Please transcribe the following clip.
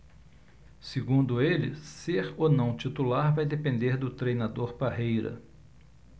segundo ele ser ou não titular vai depender do treinador parreira